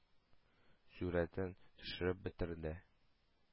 Сурәтен төшереп бетерде...